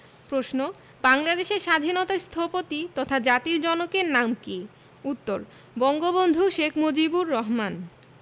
প্রশ্ন বাংলাদেশের স্বাধীনতার স্থপতি তথা জাতির জনকের নাম কী উত্তর বঙ্গবন্ধু শেখ মুজিবুর রহমান